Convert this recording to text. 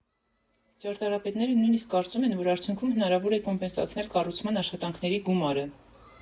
Ճարտարապետները նույնիսկ կարծում են, որ արդյունքում հնարավոր է կոմպենսացնել կառուցման աշխատանքների գումարը.